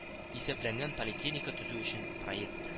Исәпләнгән поликлиника төзү өчен проект